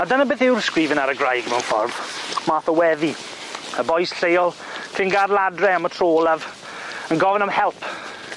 A dyna beth yw'r sgrifen ar y graig mewn ffordd, math o weddi, y bois lleol cyn gad'el adre am y tro olaf yn gofyn am help